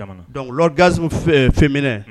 Don la ganse fɛn minɛ